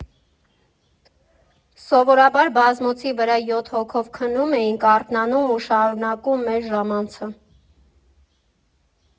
Սովորաբար բազմոցի վրա յոթ հոգով քնում էինք, արթնանում ու շարունակում մեր ժամանցը։